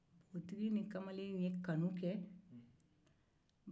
npogotigi ni kamalen ye kanu kɛ